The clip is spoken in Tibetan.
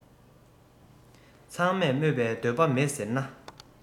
ཚང མས སྨོད པའི འདོད པ མེད ཟེར ན